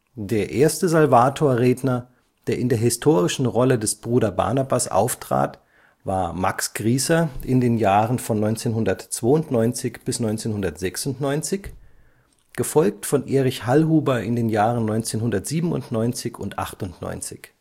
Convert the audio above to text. Der erste Salvatorredner, der in der historischen Rolle des Bruder Barnabas auftrat, war Max Grießer (1992 – 1996), gefolgt von Erich Hallhuber (1997 – 1998